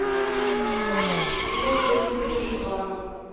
я из этого переживаю